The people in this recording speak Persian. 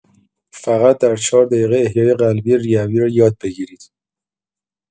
فقط در ۴ دقیقه احیای قلبی ریوی را یاد بگیرید.